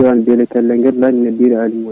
* Beli Kelleguel mi noddino Ali Wuri